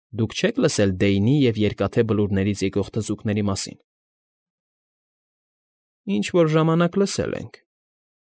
Դուք չե՞ք լսել Դեյնի և Երկաթե Բլուրներից եկող թզուկների մասին։ ֊ Ինչ֊որ ժամանակ լսել ենք։